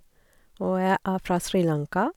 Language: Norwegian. Og jeg er fra Sri Lanka.